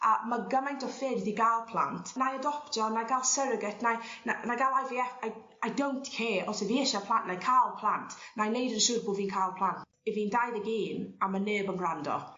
A ma' gymaint o ffyrdd i ga'l plant. 'Nai adoptio 'nai ga'l surrogate 'nai 'na- 'nai ga'l Eye Vee Eff I I don't care os 'yf fi isie plant 'nai ca'l plant 'nai neud yn siŵr bo' fi'n ca'l plant. 'Yf fi'n dau ddeg un a ma' neb yn gwrando.